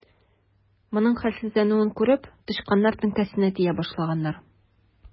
Моның хәлсезләнүен күреп, тычканнар теңкәсенә тия башлаганнар.